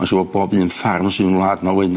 Ma'n siŵr bob un ffarm sydd yn wlad 'ma un does.